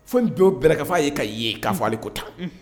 Fo n don bɛ k''a ye ka ye k'a fɔ ale ko ta